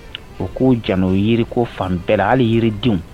U ko janto yiri ko fan bɛɛra hali yiridenw.